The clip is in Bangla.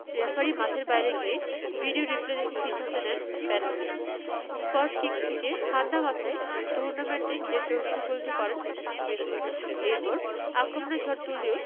রেফারি মাঠের বাইরে গিয়ে ভিডিও রিপ্লে দেখে সিদ্ধান্ত দেন পেনাল্টির স্পটকিক থেকে ঠাণ্ডা মাথায় টুর্নামেন্টে নিজের চতুর্থ গোলটি করেন গ্রিজমান এরপর আক্রমণের ঝড় তুললেও